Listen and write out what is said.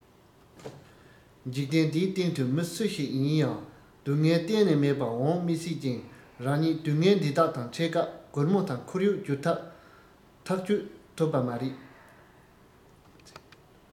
འཇིག རྟེན འདིའི སྟེང དུ མི སུ ཞིག ཡིན ཡང སྡུག བསྔལ གཏན ནས མེད པ འོངས མི སྲིད ཅིང རང ཉིད སྡུག བསྔལ འདི དག དང འཕྲད སྐབས སྒོར མོ དང ཁོར ཡུག སྒྱུར ཐབས ཐག གཅོད ཐུབ པ མ རེད